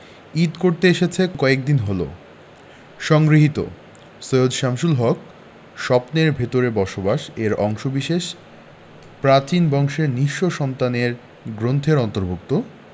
ঈদ করতে এসেছে কয়েকদিন হলো সংগৃহীত সৈয়দ শামসুল হক স্বপ্নের ভেতরে বসবাস এর অংশবিশেষ প্রাচীন বংশের নিঃস্ব সন্তান গ্রন্থের অন্তর্ভুক্ত